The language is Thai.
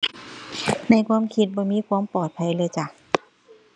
ในความคิดบ่มีความปลอดภัยเลยจ้ะ